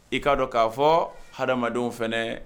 I k'a dɔn k'a fɔ hadamadenw fana